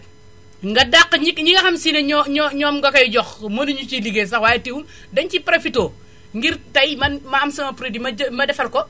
nga dàq ñi ñi nga xam si ne ñoo ñoo ñoom nga koy jox mënuñu ci liggéey sax waaye teewul dañu ciy profité ngir tay man ma am sama produit ma jë ma defarl ko